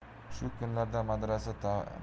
shu kunlarda madrasa